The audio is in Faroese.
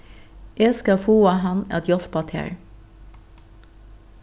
eg skal fáa hann at hjálpa tær